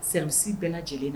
Silamɛsi bɛɛ lajɛlen na